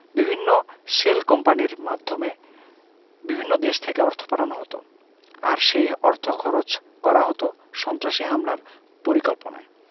বিভিন্ন শেল কোম্পানির মাধ্যমে বিভিন্ন দেশ থেকে অর্থ পাঠানো হতো আর সেই অর্থ খরচ করা হতো সন্ত্রাসী হামলার পরিকল্পনায়